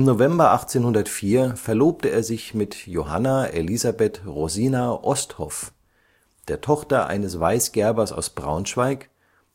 November 1804 verlobte er sich mit Johanna Elisabeth Rosina Osthoff (* 8. Mai 1780; † 11. Oktober 1809), der Tochter eines Weißgerbers aus Braunschweig,